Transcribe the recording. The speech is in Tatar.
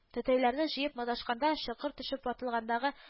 Тәтәйләрне җыеп маташканда чокыр төшеп ватылгандагы